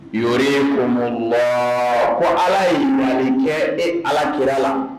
Y' ko mɔlɔ ko ala y'i fa kɛ e ala kira la